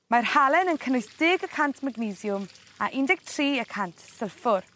Mae'r halen yn cynnwys deg y cant magnesiwm a un deg tri y cant sylffwr.